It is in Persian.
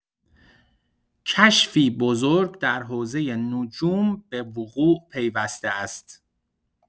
کشفی بزرگ در حوزۀ نجوم به وقوع پیوسته است.